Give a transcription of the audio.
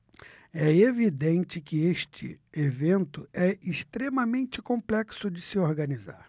é evidente que este evento é extremamente complexo de se organizar